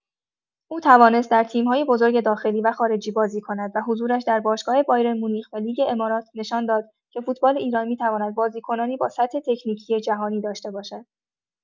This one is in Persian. او توانست در تیم‌های بزرگ داخلی و خارجی بازی کند و حضورش در باشگاه بایرن‌مونیخ و لیگ امارات نشان داد که فوتبال ایران می‌تواند بازیکنانی با سطح تکنیکی جهانی داشته باشد.